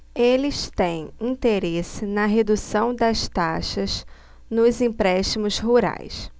eles têm interesse na redução das taxas nos empréstimos rurais